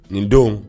Nin don